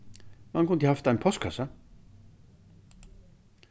mann kundi havt ein postkassa